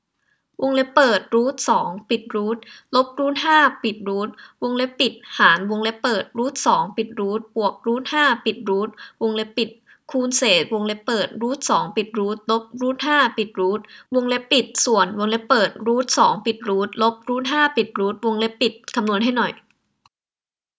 วงเล็บเปิดรูทสองปิดรูทลบรูทห้าปิดรูทวงเล็บปิดหารวงเล็บเปิดรูทสองปิดรูทบวกรูทห้าปิดรูทวงเล็บปิดคูณเศษวงเล็บเปิดรูทสองปิดรูทลบรูทห้าปิดรูทวงเล็บปิดส่วนวงเล็บเปิดรูทสองปิดรูทลบรูทห้าปิดรูทวงเล็บปิดคำนวณให้หน่อย